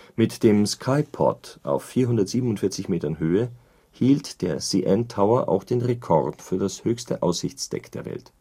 Mit dem Sky Pod auf 447 Meter Höhe hielt der CN Tower auch den Rekord für das höchste Aussichtsdeck der Welt